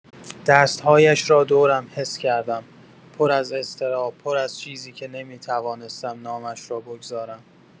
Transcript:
دست‌هایش را دورم حس کردم، پر از اضطراب، پر از چیزی که نمی‌توانستم نامش را بگذارم.